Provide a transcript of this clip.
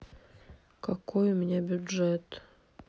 какой у меня бюджет